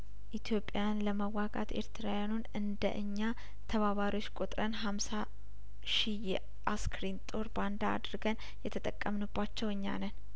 ኢትዮጵያን ለመውጋት ኤርትራውያኑን እንደእኛ ተባባሪዎች ቆጥረን ሀምሳ ሺ የአስክሪን ጦር ባንዳ አድርገን የተጠቀምንባቸው እኛ ነን